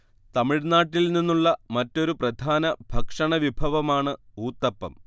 തമിഴ്നാട്ടിൽ നിന്നുള്ള മറ്റൊരു പ്രധാന ഭക്ഷണവിഭവമാണ് ഊത്തപ്പം